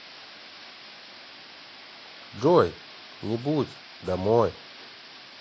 джой не будь домой